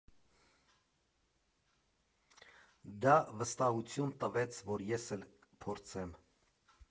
Դա վստահություն տվեց, որ ես էլ փորձեմ։